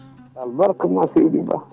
alabarka ma seydi Ba